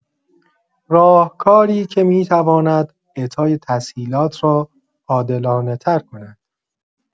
راهکاری که می‌تواند اعطای تسهیلات را عادلانه‌تر کند.